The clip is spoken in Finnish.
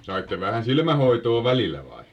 saitte vähän silmähoitoa välillä vai